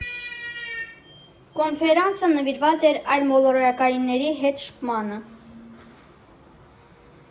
Կոնֆերանսը նվիրված էր այլմոլորակայինների հետ շփմանը։